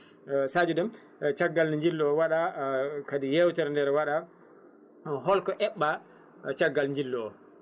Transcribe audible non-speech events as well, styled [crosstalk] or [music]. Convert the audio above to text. [hesitation] Sadio Déme caggal nde jillu o waɗa kadi yewtere nde waɗa holko eɓɓa caggal jillu o